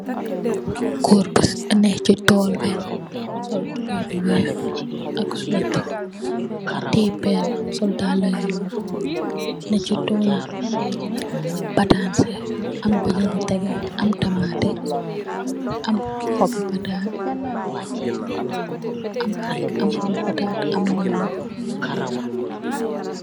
Goor gi nekkë si tool bi, sol tubööy bu weex, ak suweeta, tiyee peel, sol dallë yu ñuul, nekkë si toolu patanse, am peññe bu teggé am tamaate, am xobbi pataas, am liñong,